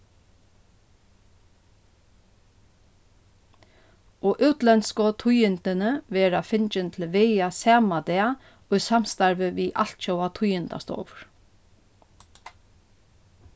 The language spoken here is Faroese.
og útlendsku tíðindini verða fingin til vega sama dag í samstarvi við altjóða tíðindastovur